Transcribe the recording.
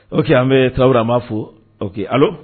O que an bɛ taa an ma fo oke ala